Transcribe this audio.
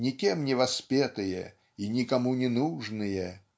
никем не воспетые и никому не нужные